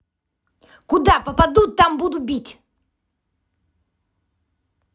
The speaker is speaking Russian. куда попаду там буду бить